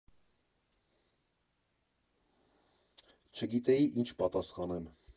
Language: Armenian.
Չգիտեի՝ ինչ պատասխանեմ։